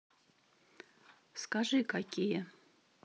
скажи какие